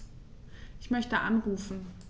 Ich möchte anrufen.